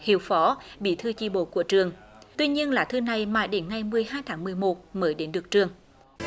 hiệu phó bí thư chi bộ của trường tuy nhiên lá thư này mãi đến ngày mười hai tháng mười một mới đến được trường